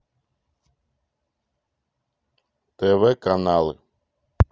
тв каналы